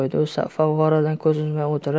u favvoradan ko'z uzmay o'tirar